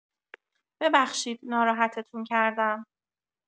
ببخشید ناراحتتون کردم.